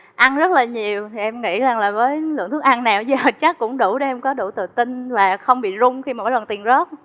ăn rất là nhiều thì em nghĩ rằng là với lượng thức ăn nào giờ chắc cũng đủ để em có đủ tự tin và không bị rung khi mỗi lần tiền rớt